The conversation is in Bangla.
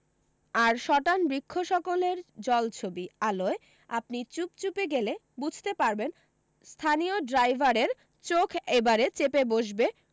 আর সটান বৃক্ষসকলের জলছবি আলোয় আপনি চুপচুপে গেলে বুঝতে পারবেন স্থানীয় ড্রাইভারের চোখ এবারে চেপে বসবে